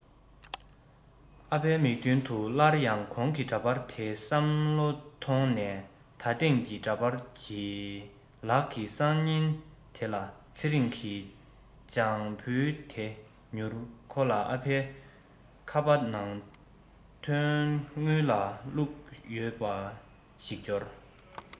ཨ ཕའི མིག མདུན དུ སླར ཡང གོང གི འདྲ པར དེ བསམ བློ ཐོངས ནས ད ཐེངས ཀྱི འདྲ པར གྱི ལག གི སང ཉིན དེ ལ ཚེ རིང གི བྱང བུའི དེ མྱུར ཁོ ལ ཨ ཕའི ཁ པར ནང དོན དངུལ བླུག ཡོད ཞེས པ ཞིག འབྱོར